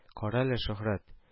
– кара әле, шөһрәт